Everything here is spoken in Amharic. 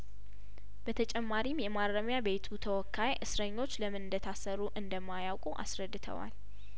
በተጨማሪም የማረሚያቤቱ ተወካይ እስረኞች ለምን እንደታሰሩ እንደማያውቁ አስረድተዋል